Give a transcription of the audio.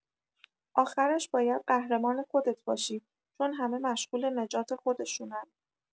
آخرش بایدقهرمان خودت باشی؛ چون همه مشغول نجات خودشونن!